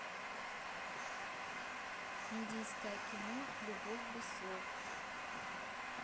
индийское кино любовь без слов